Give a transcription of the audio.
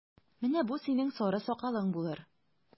Менә бу синең сары сакалың булыр!